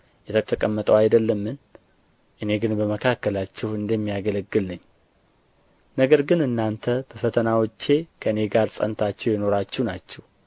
የተቀመጠው አይደለምን እኔ ግን በመካከላችሁ እንደሚያገለግል ነኝ ነገር ግን እናንተ በፈተናዎቼ ከእኔ ጋር ጸንታችሁ የኖራችሁ ናችሁ